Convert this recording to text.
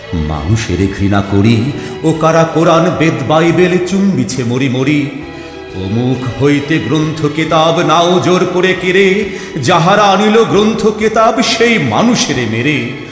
মানুষেরে ঘৃণা করি ও কারা কোরান বেদ বাইবেল চুম্বিছে মরি মরি ও মুখ হইতে কেতাব গ্রন্থ নাও জোর করে কেড়ে যাহারা আনিল গ্রন্থ কেতাব সেই মানুষেরে মেরে